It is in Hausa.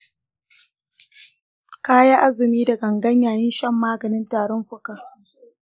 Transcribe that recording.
ka yi azumi da gangan yayin shan maganin tarin fuka?